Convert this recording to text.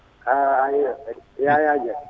an eyyo Yaya Dieng